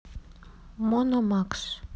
мономакс